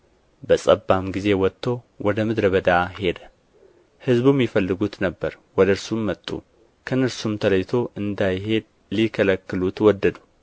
በጸባም ጊዜ ወጥቶ ወደ ምድረ በዳ ሄደ ሕዝቡም ይፈልጉት ነበር ወደ እርሱም መጡ ከእነርሱም ተለይቶ እንዳይሄድ ሊከለክሉት ወደዱ